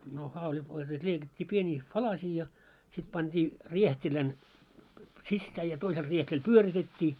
no haulit oli sellaisessa leikattiin pieniksi palasia ja sitten pani riehtilän sisään ja toisella riehtilällä pyöritettiin